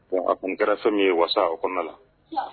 Wa a koni kɛra fɛn min ye wasa o kɔnɔ la.